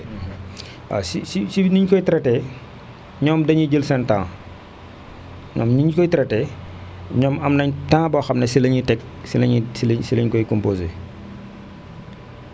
waaw si si si ni énu koy traité ñoom dañiy jël seen temps ñoom ni ñu koy traité ñoom am nañ temps boo xam ne si la ñuy teg si la ñuy si la ñuy si lañ koy composé